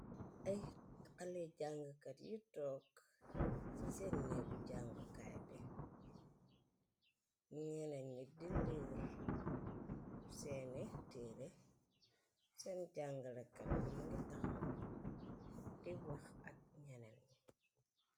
Ay haley jàngkat yu toog ci seen neegu jangukaay bi. Ñenen ñi di leir, seeni téére, seen jàngalakat bi mungi tahaw di wah ak ñenen.